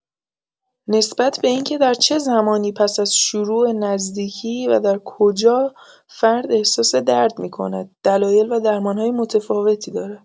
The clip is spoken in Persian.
نسبت به اینکه در چه زمانی پس از شروع نزدیکی و در کجا فرد احساس درد می‌کند، دلایل و درمان‌های متفاوتی دارد.